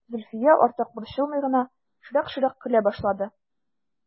Зөлфия, артык борчылмый гына, шырык-шырык көлә башлады.